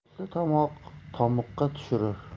totli tomoq tamuqqa tushirar